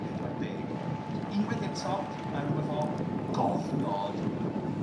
Pedwar deg ohonyn nw. So unwaith eto mae ryw fath o gofnod